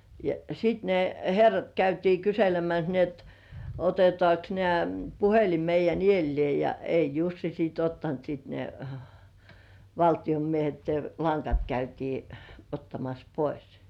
ja sitten ne herrat käytiin kyselemässä niin että otetaankos näet puhelin meidän edelleen ja ei Jussi sitten ottanut sitten ne valtion miehet ne langat käytiin ottamassa pois